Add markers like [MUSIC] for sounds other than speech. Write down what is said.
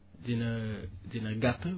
dina [HESITATION] dina gàtt